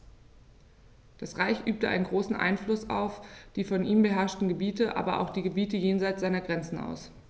Das Reich übte einen großen Einfluss auf die von ihm beherrschten Gebiete, aber auch auf die Gebiete jenseits seiner Grenzen aus.